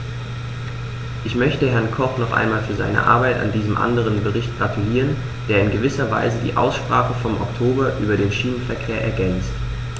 Ich möchte Herrn Koch noch einmal für seine Arbeit an diesem anderen Bericht gratulieren, der in gewisser Weise die Aussprache vom Oktober über den Schienenverkehr ergänzt.